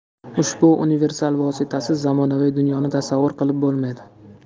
ushbu universal vositasiz zamonaviy dunyoni tasavvur qilib bo'lmaydi